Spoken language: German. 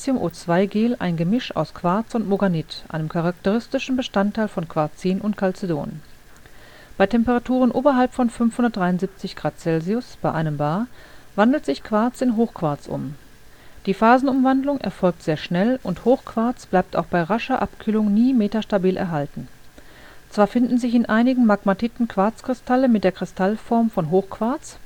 SiO2-Gel ein Gemisch aus Quarz und Moganit, einem charakteristischen Bestandteil von Quarzin und Chalcedon. Bei Temperaturen oberhalb von 573 °C (bei 1 bar) wandelt sich Quarz in Hochquarz um. Die Phasenumwandlung erfolgt sehr schnell und Hochquarz bleibt auch bei rascher Abkühlung nie metastabil erhalten. Zwar finden sich in einigen Magmatiten Quarzkristalle mit der Kristallform von Hochquarz